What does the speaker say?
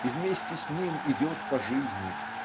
и вместе с ним идет по жизни